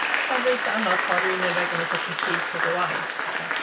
Ella'n reit anodd cael rywun yn rhoi gymaint o critique o dy waith ella.